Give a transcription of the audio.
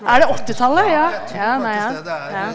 er det åttitallet ja ja nei ja ja.